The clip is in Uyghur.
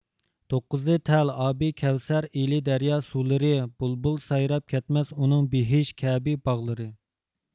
توققۇزى تەل ئابى كەۋسەر ئىلى دەريا سۇلىرى بۇلبۇل سايراپ كەتمەس ئۇنىڭ بېھىش كەبى باغلىرى